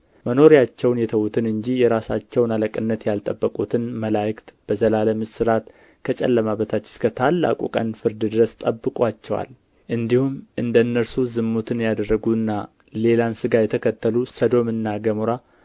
መኖሪያቸውንም የተዉትን እንጂ የራሳቸውን አለቅነት ያልጠበቁትን መላእክት በዘላለም እስራት ከጨለማ በታች እስከ ታላቁ ቀን ፍርድ ድረስ ጠብቆአቸዋል እንዲሁም እንደ እነርሱ ዝሙትን ያደረጉና ሌላን ሥጋ የተከተሉ ሰዶምና ገሞራ